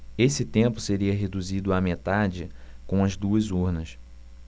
esse tempo seria reduzido à metade com as duas urnas